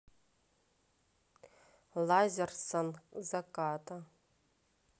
лазерсон закатка